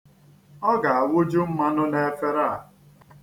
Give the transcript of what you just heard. Ọ ga-awụju mmanụ na efere a.